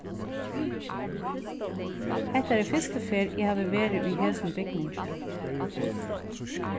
hetta er fyrstu ferð eg havi verið í hesum bygninginum